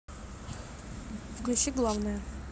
включи главное